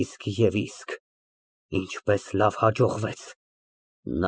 Իսկ և իսկ։ Ինչպես լավ հաջողվեց։